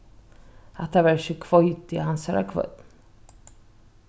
hatta var ikki hveiti á hansara kvørn